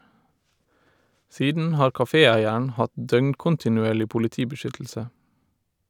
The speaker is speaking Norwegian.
Siden har kaféeieren hatt døgnkontinuerlig politibeskyttelse.